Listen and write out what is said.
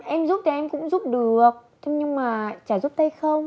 em giúp thì em cũng giúp được thế nhưng mà chả giúp tay không